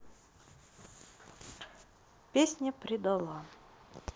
песня предала